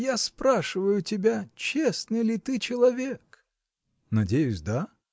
-- Я спрашиваю тебя: честный ли ты человек? -- Надеюсь, да.